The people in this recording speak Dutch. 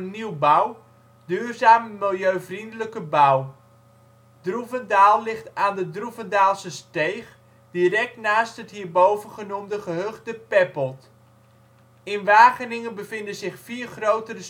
nieuwbouw (duurzame, milieuvriendelijke bouw). Droevendaal ligt aan de Droevendaalsesteeg, direct naast het hierboven genoemde gehucht De Peppeld. In Wageningen bevinden zich vier grotere